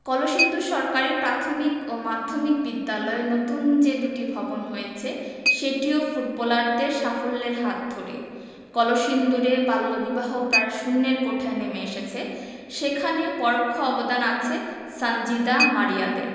প্রায় ৪০ কিলোমিটার এলাকা কলসিন্দুর সরকারি প্রাথমিক ও মাধ্যমিক বিদ্যালয়ে নতুন যে দুটি ভবন হচ্ছে সেটিও ফুটবলারদের সাফল্যের হাত ধরেই কলসিন্দুরে বাল্যবিবাহ প্রায় শূন্যের কোঠায় নেমে এসেছে সেখানেও পরোক্ষ অবদান আছে সানজিদা মারিয়াদের